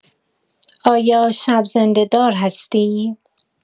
آیا شب‌زنده‌دار هستی؟